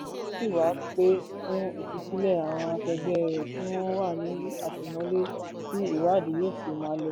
Ó sì wá pè fún ìtúsílẹ̀ àwọn akẹgbẹ́ rẹ̀ tí wọ́n wà ní àtìmọ́lé tí ìwádìí yóò sì máa lọ pẹ̀lú.